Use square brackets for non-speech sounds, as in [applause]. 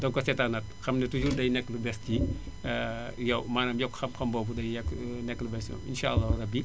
toog ko seetaanaat ko xam ne [noise] toujours day nekk lu bees ci [noise] [hesitation] yow maanaam yokk xam-xam boobu day nekk [hesitation] lu bees ci [hesitation] yow maanaam yokk xam-xam boobu day nekk [hesitation] nekk lu bees ci yow insaa àllaa rabbi